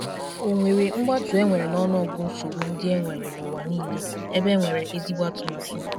GV: O nwere mgbatu e nwere n'ọnụọgụ nsogbu ndi e nwere n'ụwa niile ebe e nwere ezigbo Atụmatụ?